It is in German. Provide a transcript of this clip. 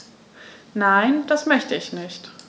Nein, das möchte ich nicht.